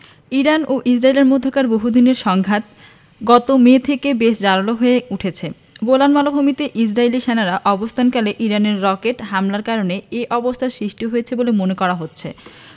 Iran ও ইসরায়েলের মধ্যকার বহুদিনের সংঘাত গত মে থেকে বেশ জারালো হয়ে উঠেছে গোলান মালভূমিতে ইসরায়েলি সেনারা অবস্থানকালে ইরানের রকেট হামলার কারণে এ অবস্থার সৃষ্টি হয়েছে বলে মনে করা হচ্ছে